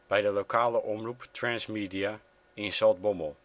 bij de lokale omroep Transmedia in Zaltbommel